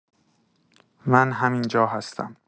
من همین‌جا هستم.